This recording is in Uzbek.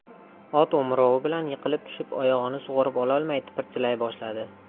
ot o'mrovi bilan yiqilib tushib oyog'ini sug'urib ololmay tipirchilay boshladi